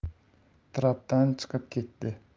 trapdan chiqib ketdi